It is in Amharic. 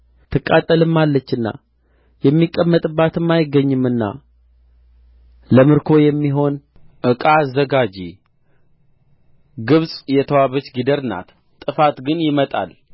ትቃጠልማለችና የሚቀመጥባትም አይገኝምና ለምርኮ የሚሆን ዕቃ አዘጋጂ ግብጽ የተዋበች ጊደር ናት ጥፋት ግን ይመጣል